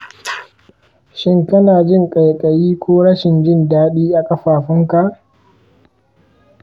shin kana jin ƙaiƙayi ko rashin jin daɗi a ƙafafunka?